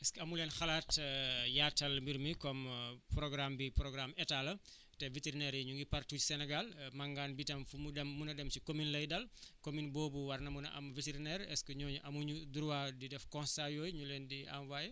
est ce que amu leen xalaat yaatal mbir mi comme programme bi programme état la te vétérinaires yi ñu ngi partout si Sénégal màngaan bi tam fu mu dem muna dem si commune lay dal commune boobu war na mun a am vétérinaire est ce que ñooñu amuñu droit di def constat yooyu ñu leen di envoyer